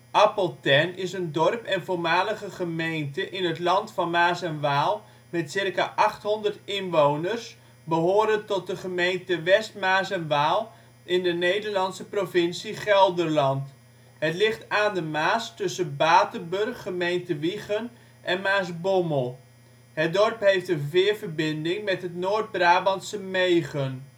Appeltern is een dorp en voormalige gemeente in het Land van Maas en Waal met circa 800 inwoners, behorend tot de gemeente West Maas en Waal in de Nederlandse provincie Gelderland. Het ligt aan de Maas, tussen Batenburg (gemeente Wijchen) en Maasbommel. Het dorp heeft een veerverbinding met het Noord-Brabantse Megen